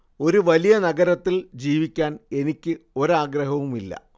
ഒരു വലിയ നഗരത്തിൽ ജീവിക്കാൻ എനിക്ക് ഒരാഗ്രഹവുമില്ല